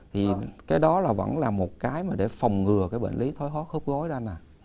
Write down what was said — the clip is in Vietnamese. thì cái đó là vẫn là một cái mà để phòng ngừa cái bệnh lý thoái hóa khớp gối đó anh ạ